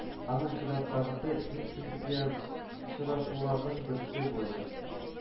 Аның чираттагысы иң принципиаль очрашуларның берсе булачак